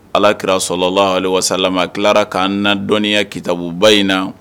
Alaki sɔrɔla la hali walasasala tilara k'a na dɔnniya kitabuba in na